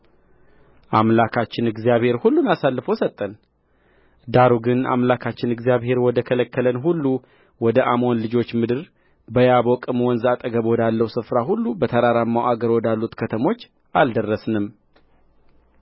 አምላካችን እግዚአብሔር ሁሉን አሳልፎ ሰጠንዳሩ ግን አምላካችን እግዚአብሔር ወደ ከለከለን ሁሉ ወደ አሞን ልጆች ምድር በያቦቅም ወንዝ አጠገብ ወዳለው ስፍራ ሁሉ በተራራማውም አገር ወዳሉት ከተሞች አልደረስንም